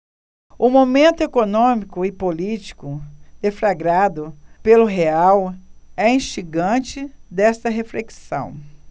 o momento econômico e político deflagrado pelo real é instigante desta reflexão